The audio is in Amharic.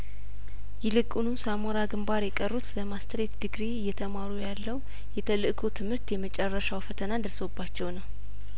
ይልቁኑ ሳሞራ ግንባር የቀሩት ለማስትሬት ዲግሪ እየተማሩት ያለው የተልእኮ ትምህርት የመጨረሻው ፈተና ደርሶባቸው ነው